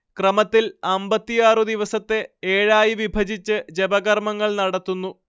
ക്രമത്തിൽ അമ്പത്തിയാറു ദിവസത്തെ ഏഴായി വിഭജിച്ച് ജപകർമങ്ങൾ നടത്തുന്നു